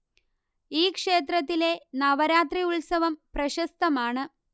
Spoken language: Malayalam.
ഈ ക്ഷേത്രത്തിലെ നവരാത്രി ഉത്സവം പ്രശസ്തമാണ്